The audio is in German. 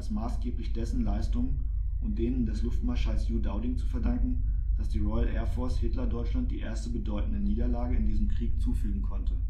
maßgeblich dessen Leistungen und denen des Luftmarschalls Hugh Dowding zu verdanken, dass die Royal Airforce Hitler-Deutschland die erste bedeutende Niederlage in diesem Krieg zufügen konnte